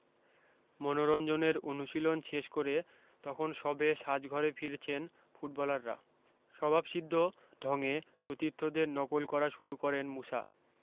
মনোরঞ্জনের অনুশীলন শেষ করে তখন সবে সাজঘরে ফিরেছেন ফুটবলাররা স্বভাবসিদ্ধ ঢঙে সতীর্থদের নকল করা শুরু করেন মুসা